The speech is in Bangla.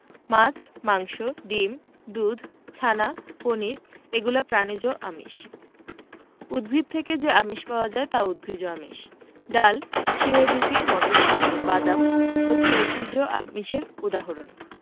মাছ মাংস ডিম দুধ ছানা পনির এগুলা প্রাণিজ আমিষ উদ্ভিদ থেকে যে আমিষ পাওয়া যায় তা উদ্ভিজ্জ আমিষ ডাল শিমের বিচি মটরশুঁটি বাদাম হচ্ছে উদ্ভিজ্জ আমিষের উদাহরণ